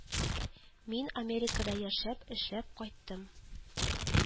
Мин Америкада яшәп, эшләп кайттым